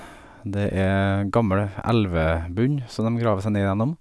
Det er gammel elvebunn som dem graver seg ned gjennom.